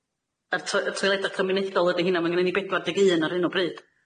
Yr to- y toileda cymunedol ydi heina. Ma' gennyn ni bedwar deg un ar hyn o bryd.